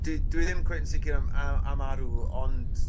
dwi dwi ddim cweit yn sicir am am am Aru ond